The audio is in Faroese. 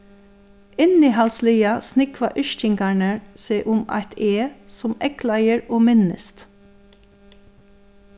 innihaldsliga snúgva yrkingarnar seg um eitt eg sum eygleiðir og minnist